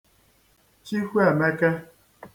Chikwuēmēkē